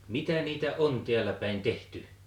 mitä niitä on täällä päin tehty